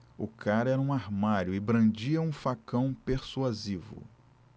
o cara era um armário e brandia um facão persuasivo